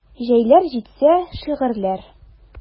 Җәйләр җитсә: шигырьләр.